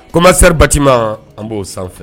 Koma seri batima an b'o sanfɛ